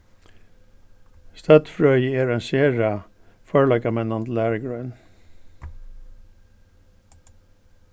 støddfrøði er ein sera førleikamennandi lærugrein